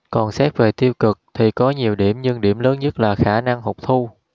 còn xét về tiêu cực thì có nhiều điểm nhưng điểm lớn nhất là khả năng hụt thu